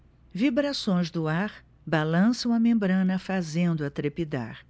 vibrações do ar balançam a membrana fazendo-a trepidar